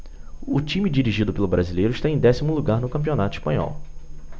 o time dirigido pelo brasileiro está em décimo lugar no campeonato espanhol